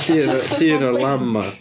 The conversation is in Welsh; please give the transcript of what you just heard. Llun yy llun o'r lamb 'ma.